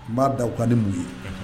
U ma da u ka nin mun ye?